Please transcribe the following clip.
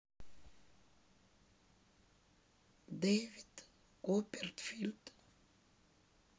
девид копперфильд